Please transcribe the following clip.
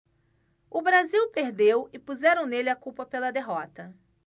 o brasil perdeu e puseram nele a culpa pela derrota